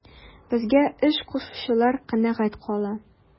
Безгә эш кушучылар канәгать кала.